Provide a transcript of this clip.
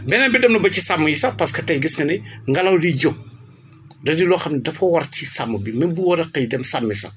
beneen bi dem na ba ci sàmm yi sax parce que tey gis na ne ngalaw liy jóg da di loo xam ne dafa war ci sàmm bi même bu waree xëy dem sàmmi sax